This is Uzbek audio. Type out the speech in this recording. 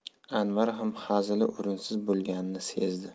anvar ham hazili o'rinsiz bo'lganini sezdi